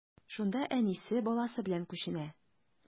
Шунда әнисе, баласы белән күченә.